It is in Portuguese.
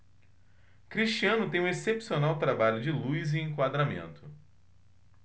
cristiano tem um excepcional trabalho de luz e enquadramento